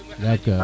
daccord